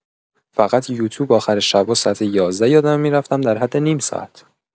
فقط یوتوب آخر شبا ساعت ۱۱ یادمه می‌رفتم در حد نیم ساعت